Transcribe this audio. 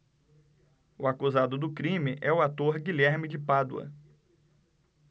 o acusado do crime é o ator guilherme de pádua